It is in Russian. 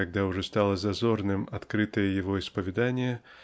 когда уже стало зазорным открытое его исповедание